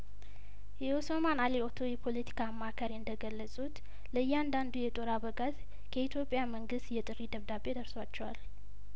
የኦሶማን አሊ ኦቶ የፖለቲካ አማካሪ እንደገለጹት ለእያንዳንዱ የጦር አበጋዝ ከኢትዮጵያ መንግስት የጥሪ ደብዳቤ ደርሷቸዋል